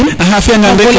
a fiya ngan rek